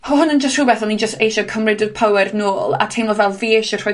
hy- hwn yn jys rhwbeth o'n i'n jyst eisio cymryd y power nôl, a teimlo fel fi isie rhoi